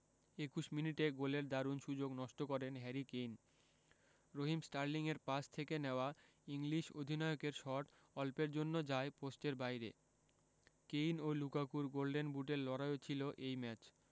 ২১ মিনিটে গোলের দারুণ সুযোগ নষ্ট করেন হ্যারি কেইন রহিম স্টার্লিংয়ের পাস থেকে নেওয়া ইংলিশ অধিনায়কের শট অল্পের জন্য যায় পোস্টের বাইরে কেইন ও লুকাকুর গোল্ডেন বুটের লড়াইও ছিল এই ম্যাচ